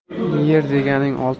yer deganing oltin